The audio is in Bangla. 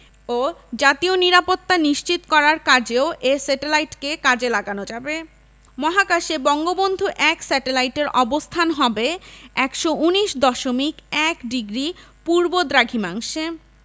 ও জাতীয় নিরাপত্তা নিশ্চিত করার কাজেও এ স্যাটেলাইটকে কাজে লাগানো যাবে মহাকাশে বঙ্গবন্ধু ১ স্যাটেলাইটের অবস্থান হবে ১১৯ দশমিক ১ ডিগ্রি পূর্ব দ্রাঘিমাংশে